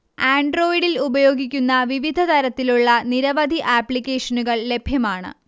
ആൻഡ്രോയ്ഡിൽ ഉപയോഗിക്കുന്ന വിവിധതരത്തിലുള്ള നിരവധി ആപ്ലിക്കേഷനുകൾ ലഭ്യമാണ്